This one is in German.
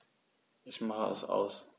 Ich mache es aus.